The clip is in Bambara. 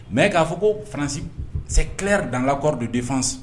Mɛ k'a fɔ ko fasi se kɛlɛ danga kɔrɔ de defa